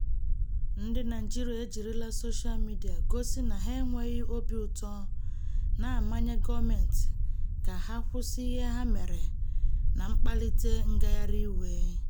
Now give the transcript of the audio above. Ndị Naịjirịa ejirila soshaa midịa gosi na ha enweghị obi ụtọ, na-amanye gọọmentị ka ha kwụsị ihe ha mere ma kpalite ngagharị iwe: